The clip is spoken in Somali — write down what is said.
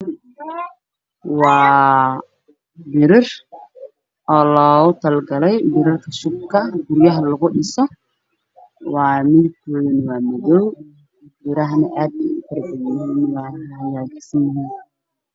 Meeshan waxaa yaalo saxan bariis ah oo ay ka buuxaan hilib